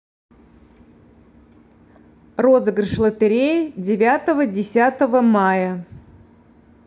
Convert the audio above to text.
розыгрыш лотереи девятого десятого мая